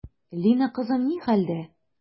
Лина кызым ни хәлдә?